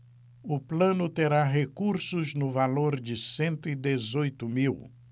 o plano terá recursos no valor de cento e dezoito mil